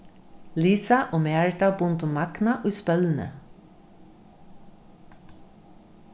lisa og marita bundu magna í spølni